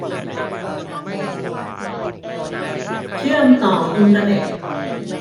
เชื่อมต่ออินเตอร์เน็ต